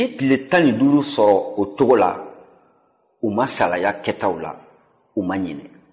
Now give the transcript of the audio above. u ye tile tan ni duuru sɔrɔ o cogo la u ma salaya kɛtaw la u ma ɲinɛ